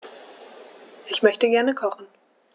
Ich möchte gerne kochen.